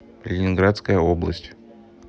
ленинградская область